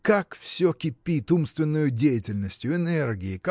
Как все кипит умственною деятельностью энергией